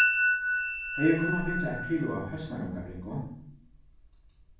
hevði eg kunnað fingið eitt kilo av høsnarungabringu